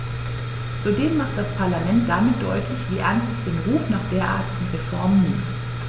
Zudem macht das Parlament damit deutlich, wie ernst es den Ruf nach derartigen Reformen nimmt.